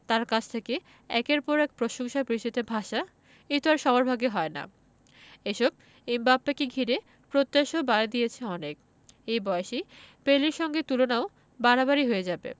তাঁর কাছ থেকে একের পর এক প্রশংসাবৃষ্টিতে ভাসা এ তো আর সবার ভাগ্যে হয় না এসব এমবাপ্পেকে ঘিরে প্রত্যাশাও বাড়িয়ে দিয়েছে অনেক এই বয়সের পেলের সঙ্গে তুলনাও বাড়াবাড়িই হয়ে যাবে